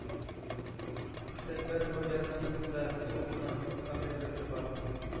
Сембер губернасында сукно фабрикасы бар.